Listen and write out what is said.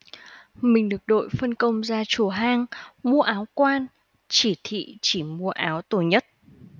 mình được đội phân công ra chùa hang mua áo quan chỉ thị chỉ mua áo tồi nhất